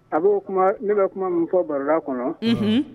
A bɛ'o kuma ne bɛ kuma min fɔ baro kɔnɔ